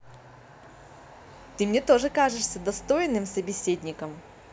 ты мне тоже кажешься достойным собеседником